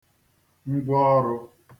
ngwaọrụ̄